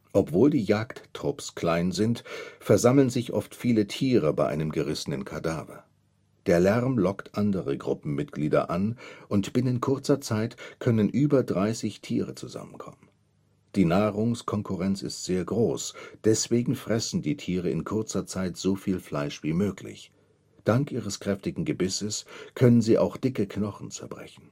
Obwohl die Jagdtrupps klein sind, versammeln sich oft viele Tiere bei einem gerissenen Kadaver. Der Lärm lockt andere Gruppenmitglieder an und binnen kurzer Zeit können über 30 Tiere zusammenkommen. Die Nahrungskonkurrenz ist sehr groß, deswegen fressen die Tiere in kurzer Zeit so viel Fleisch wie möglich; dank ihres kräftigen Gebisses können sie auch dicke Knochen zerbrechen